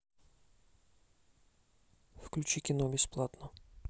включи кино бесплатно